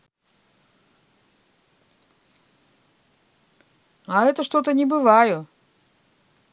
а это что то не бываю